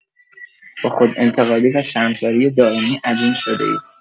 با خودانتقادی و شرمساری دائمی عجین شده‌اید.